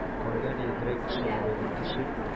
Кайнар ядрә кеше йөрәген тишеп